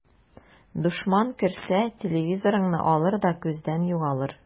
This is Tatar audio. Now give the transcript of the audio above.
Дошман керсә, телевизорыңны алыр да күздән югалыр.